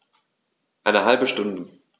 Eine halbe Stunde